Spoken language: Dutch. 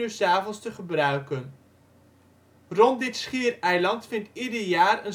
s avonds te gebruiken. Rond dit schiereiland vindt ieder jaar